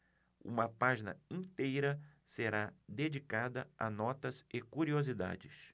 uma página inteira será dedicada a notas e curiosidades